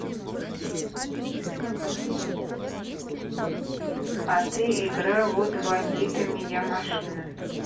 а ты игравот бандитами я машина